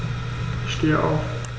Ich stehe auf.